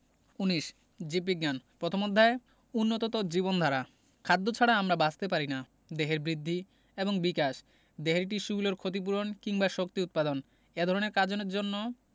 ১৯ জীববিজ্ঞান পথম অধ্যায় উন্নততর জীবনধারা খাদ্য ছাড়া আমরা বাঁচতে পারি না দেহের বৃদ্ধি এবং বিকাশ দেহের টিস্যুগুলোর ক্ষতি পূরণ কিংবা শক্তি উৎপাদন এ ধরনের কাজনের জন্য